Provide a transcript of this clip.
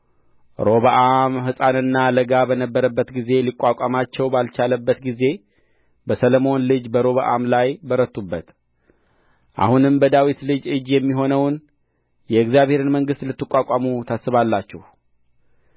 ሮብዓም ሕፃንና ለጋ በነበረበት ጊዜ ሊቋቋማቸውም ባልቻለበት ጊዜ በሰሎሞን ልጅ በሮብዓም ላይ በረቱበት አሁንም በዳዊት ልጆች እጅ የሚሆነውን የእግዚአብሔርን መንግሥት ልትቋቋሙ ታስባላችሁ